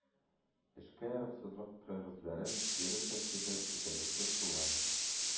Эшкә яраксызлык кәгазьләрен бирү тәртибе үтәлешенә, шулай ук